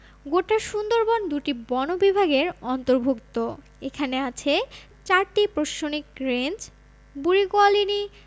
গোটা সুন্দরবন দুটি বন বিভাগের অন্তর্ভুক্ত এখানে আছে চারটি প্রশাসনিক রেঞ্জ বুড়িগোয়ালিনি